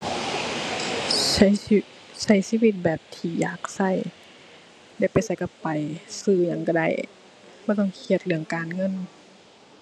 ใช้ชีวิต ใช้ชีวิตแบบที่อยากใช้ได้ไปไสใช้ไป ซื้อหยังใช้ได้ บ่ต้องเครียดเรื่องการเงิน